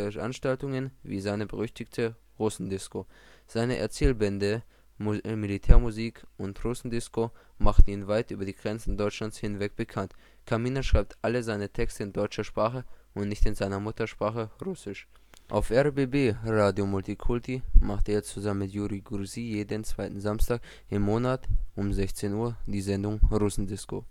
Veranstaltungen, wie seine berüchtigte „ Russendisko “. Seine Erzählbände Militärmusik und Russendisko machten ihn weit über die Grenzen Deutschlands hinweg bekannt. Kaminer schreibt alle seine Texte in deutscher Sprache und nicht in seiner Muttersprache Russisch. Auf RBB Radio Multikulti macht er jetzt zusammen mit Yuriy Gurzhy jeden zweiten Samstag im Monat um 16.00 Uhr die Sendung " Russendisko